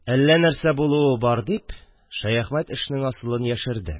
Әллә нәрсә булуы бар, – дип, Шәяхмәт эшнең асылын яшерде